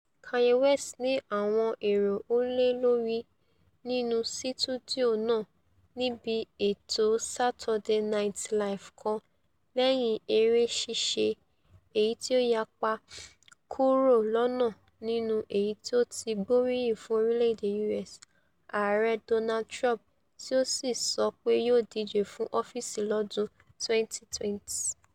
Kanye West ni àwọn èrò hó lé lórí nínú situdio náà níbi ètò Saturday Night Live kan lẹ́yin eré ṣíṣe èyití ó yapa kuro lọ́nà nínú èyití ó ti gbóríyìn fún orílẹ̀-èdè U.S. Ààrẹ Donald Trump tí ó sì sọ pé yóò díje fún ọ́fíìsì lọ́dún 2020.